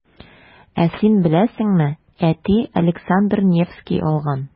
Ә син беләсеңме, әти Александр Невский алган.